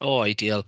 O, ideal.